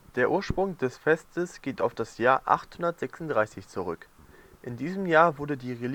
Der Ursprung des Fests geht auf das Jahr 836 zurück. In diesem Jahr wurden die